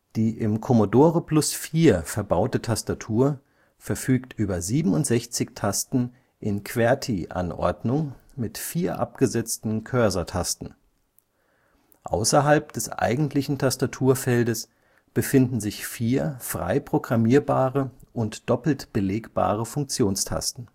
Die im Commodore Plus/4 verbaute Tastatur verfügt über 67 Tasten in QWERTY-Anordnung mit vier abgesetzten Cursor-Tasten. Außerhalb des eigentlichen Tastaturfeldes befinden sich vier frei programmierbare und doppelt belegbare Funktionstasten